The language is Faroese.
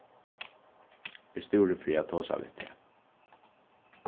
eg stúri fyri at tosa við teg